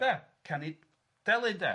de, canu delyn 'de...